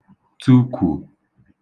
tūkwù